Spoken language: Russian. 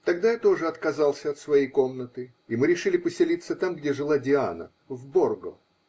Тогда я тоже отказался от своей комнаты, и мы решили поселиться там, где жила Диана, -- в Борго .